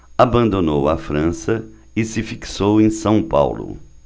abandonou a frança e se fixou em são paulo